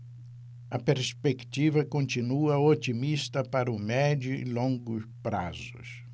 a perspectiva continua otimista para o médio e longo prazos